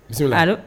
Bisimila! Allo .